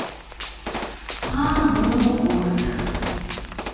а м о г у с